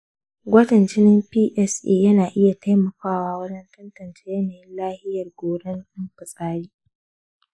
gwajin jinin psa na iya taimakawa wajen tantance yanayin lafiyar goran din fitsari.